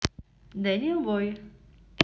daniel boy